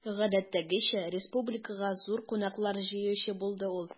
Гадәттәгечә, республикага зур кунаклар җыючы булды ул.